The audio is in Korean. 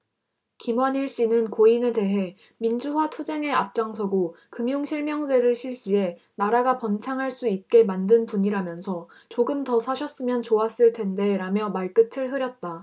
김완일씨는 고인에 대해 민주화 투쟁에 앞장서고 금융실명제를 실시해 나라가 번창할 수 있게 만든 분이라면서 조금 더 사셨으면 좋았을 텐데 라며 말끝을 흐렸다